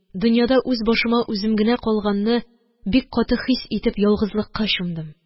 Дөньяда үз башыма үзем генә калганны бик каты хис итеп, ялгызлыкка чумдым,